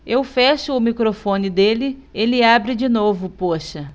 eu fecho o microfone dele ele abre de novo poxa